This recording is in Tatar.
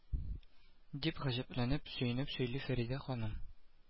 Дип гаҗәпләнеп, сөенеп сөйли фәридә ханым